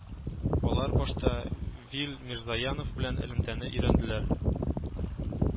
Алар башта Вил Мирзаянов белән элемтәне өйрәнделәр